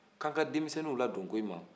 k'anw ka denmisɛnw ladon ko ɲuman